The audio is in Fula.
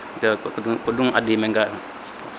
eyy ko ɗum addi min ga